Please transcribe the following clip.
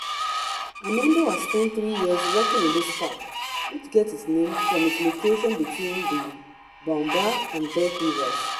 Amendo has spent three years working in this park, which gets its name from its location between the Boumba and Bek rivers.